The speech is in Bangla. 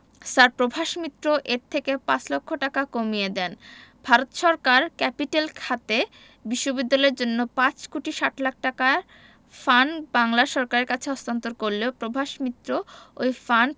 স্যার প্রভাস মিত্র এর থেকে পাঁচ লক্ষ টাকা কমিয়ে দেন ভারত সরকার ক্যাপিটেল খাতে বিশ্ববিদ্যালয়ের জন্য ৫ কোটি ৬০ লাখ টাকার ফান্ড বাংলা সরকারের কাছে হস্তান্তর করলেও প্রভাস মিত্র ওই ফান্ড